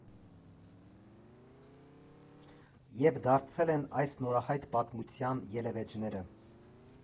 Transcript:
Եվ դարձել են այս նորահայտ պատմության ելևէջները։